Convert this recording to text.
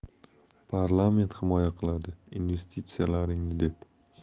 parlament himoya qiladi investitsiyalaringni deb